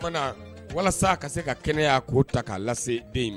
O kuma na walasa ka se ka kɛnɛya ko ta ka lase den in